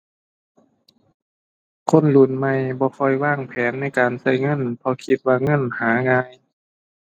คนรุ่นใหม่บ่ค่อยวางแผนในการใช้เงิน เพราะคิดว่าเงินหาง่าย